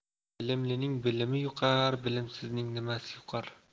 bilimlining bilimi yuqar bilimsizning nimasi yuqar